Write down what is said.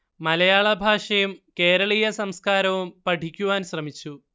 മലയാള ഭാഷയും കേരളീയ സംസ്കാരവും പഠിക്കുവാൻ ശ്രമിച്ചു